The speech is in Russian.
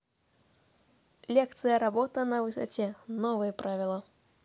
лекция работа на высоте новые правила